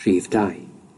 Rhif dau.